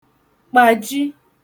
kpàji